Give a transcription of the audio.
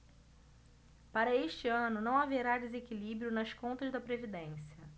para este ano não haverá desequilíbrio nas contas da previdência